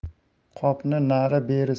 qopni nari beri